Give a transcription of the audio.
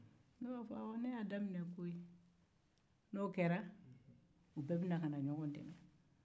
ne b'a fɔ awɔ ne y'a daminɛ koyi n'o kɛra u bɛ na ɲɔgɔn dɛmɛ